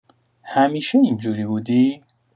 همیشه اینجوری بودی؟